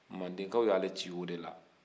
mandenkaw y'ale ci o de la